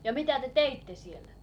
ja mitä te teitte siellä